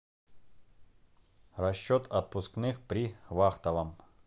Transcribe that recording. расчет отпускных при вахтовом